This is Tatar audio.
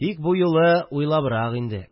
Тик бу юлы уйлабрак инде